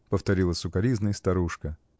-- повторила с укоризной старушка.